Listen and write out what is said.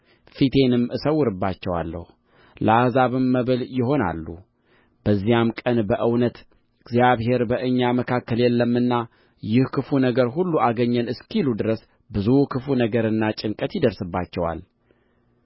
ፊቴንም እሰውርባቸዋለሁ ለአሕዛብ መብል ይሆናሉ በዚያም ቀን በእውነት እግዚአብሔር በእኛ መካከል የለምና ይህ ክፉ ነገር ሁሉ አገኘን እስኪሉ ድረስ ብዙ ክፉ ነገርና ጭንቀት ይደርስባቸዋል